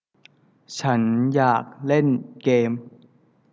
ฉันอยากเล่นเกม